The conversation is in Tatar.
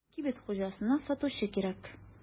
Кибет хуҗасына сатучы кирәк.